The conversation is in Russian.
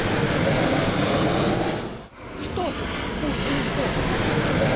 что ты хуя анекдот